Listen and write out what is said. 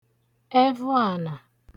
ẹvuànà